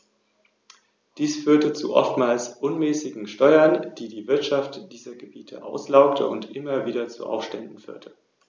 Der Bauch, das Gesicht und die Gliedmaßen sind bei den Stacheligeln mit Fell bedeckt.